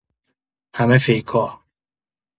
همه فیکا